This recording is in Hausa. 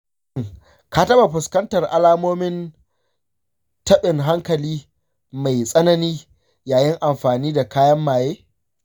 shin ka taɓa fuskantar alamomin tabin hankali mai tsanani yayin amfani da kayan maye?